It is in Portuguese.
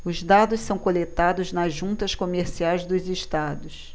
os dados são coletados nas juntas comerciais dos estados